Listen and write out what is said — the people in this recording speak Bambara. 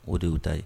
O de y'u ta ye.